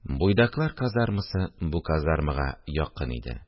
Буйдаклар казармасы бу казармага якын иде